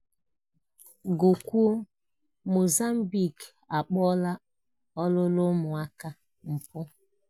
Gụkwuo: Mozambique akpọọla ọlụlụ ụmụaka mpụ